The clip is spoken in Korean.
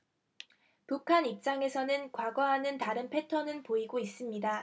북한 입장에서는 과거와는 다른 패턴은 보이고 있습니다